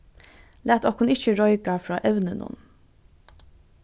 lat okkum ikki reika frá evninum